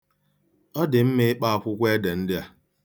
Ọ dị mma ịkpa akwụkwọ ede ndị a.